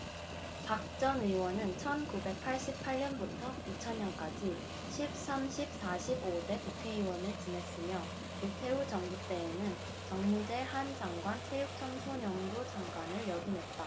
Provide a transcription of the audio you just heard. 박 전 의원은 천 구백 팔십 팔 년부터 이천 년까지 십 삼 십 사 십 오 대 국회의원을 지냈으며 노태우 정부 때에는 정무제 한 장관 체육청소년부 장관을 역임했다